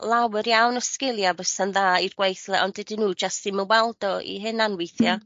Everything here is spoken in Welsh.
lawer iawn o sgilie bysa'n dda i'r gweithle ond dydyn n'w jyst ddim yn weld o 'u hunan weithia'. Hmm.